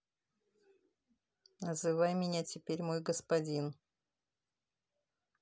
называй меня теперь мой господин